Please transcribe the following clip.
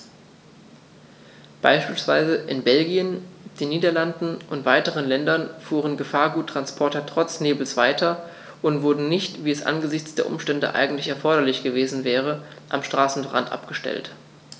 Beispielsweise in Belgien, den Niederlanden und weiteren Ländern fuhren Gefahrguttransporter trotz Nebels weiter und wurden nicht, wie es angesichts der Umstände eigentlich erforderlich gewesen wäre, am Straßenrand abgestellt.